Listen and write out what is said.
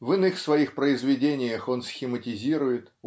В иных своих произведениях он схематизирует